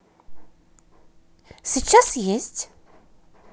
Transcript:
сейчас есть